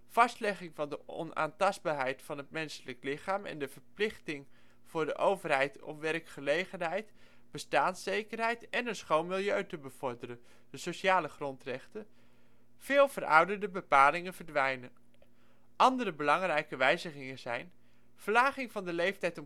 vastlegging van de onaantastbaarheid van het menselijk lichaam en de verplichting voor de overheid om werkgelegenheid, bestaanszekerheid en een schoon milieu te bevorderen (de sociale grondrechten). Veel verouderde bepalingen verdwijnen. Andere belangrijke wijzigingen zijn: verlaging van de leeftijd